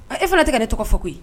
Ɔ e fana tɛ ka ne tɔgɔ fɔ koyi!